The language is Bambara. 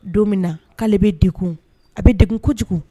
Don min na k'ale bɛ degun, a bɛ degun kojugu.